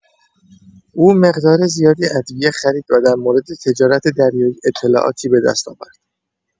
او مقدار زیادی ادویه خرید و در مورد تجارت دریایی اطلاعاتی به دست آورد.